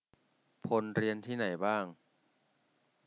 พลเรียนที่ไหนบ้าง